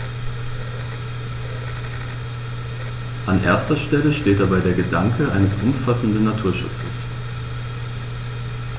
An erster Stelle steht dabei der Gedanke eines umfassenden Naturschutzes.